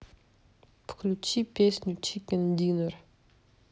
включи песню чикен динер